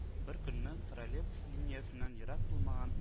Беркөнне троллейбус линиясеннән ерак булмаган